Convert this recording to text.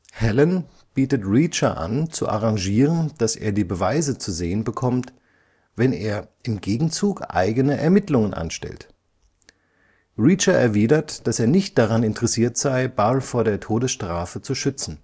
Helen bietet Reacher an, zu arrangieren, dass er die Beweise zu sehen bekommt, wenn er im Gegenzug eigene Ermittlungen anstellt. Reacher erwidert, dass er nicht daran interessiert sei, Barr vor der Todesstrafe zu schützen